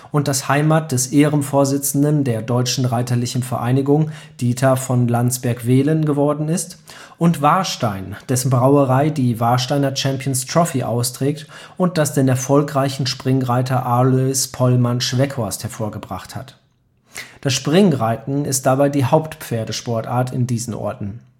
und das Heimat des Ehrenvorsitzenden der Deutschen Reiterlichen Vereinigung, Dieter von Landsberg-Velen, geworden ist, und Warstein, dessen Brauerei die Warsteiner Champions Trophy austrägt und das den erfolgreichen Springreiter Alois Pollmann-Schweckhorst hervorgebracht hat. Das Springreiten ist dabei die Haupt-Pferdesportart in diesen Orten